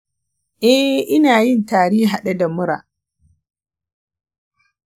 eh, ina yin tari hade da mura.